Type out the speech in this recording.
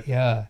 jaa